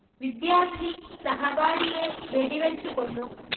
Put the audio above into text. വിദ്യാർത്ഥി സഹപാഠിയെ വെടിവച്ചു കൊന്നു